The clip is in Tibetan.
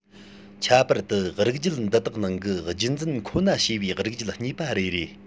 ཁྱད པར ཏུ རིགས རྒྱུད འདི དག ནང གི རྒྱུད འཛིན ཁོ ན བྱས པའི རིགས རྒྱུད གཉིས པ རེ རེ